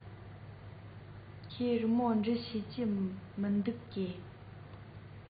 ཁོས རི མོ འབྲི ཤེས ཀྱི མིན འདུག གས